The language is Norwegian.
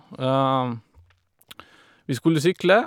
Vi skulle sykle.